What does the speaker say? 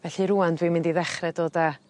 Felly rŵan dwi mynd i ddechre dod â